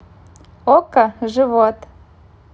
okko живот